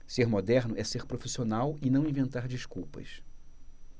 ser moderno é ser profissional e não inventar desculpas